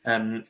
Yym